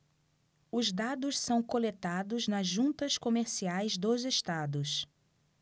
os dados são coletados nas juntas comerciais dos estados